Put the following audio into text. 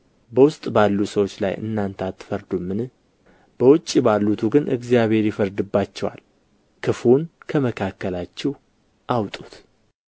በውስጥ ባሉ ሰዎች ላይ እናንተ አትፈርዱምን በውጭ ባሉቱ ግን እግዚአብሔር ይፈርድባቸዋል ክፉውን ከመካከላችሁ አውጡት